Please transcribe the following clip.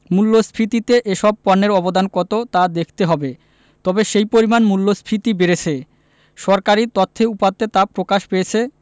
মূল্যস্ফীতিতে এসব পণ্যের অবদান কত তা দেখতে হবে তবে সেই পরিমাণ মূল্যস্ফীতি বেড়েছে সরকারি তথ্য উপাত্তে তা প্রকাশ পেয়েছে